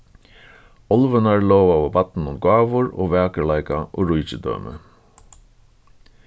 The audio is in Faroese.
álvurnar lovaðu barninum gávur og vakurleika og ríkidømi